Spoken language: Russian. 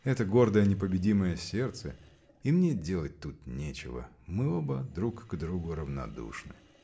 Это гордое, непобедимое сердце — и мне делать тут нечего: мы оба друг к другу равнодушны!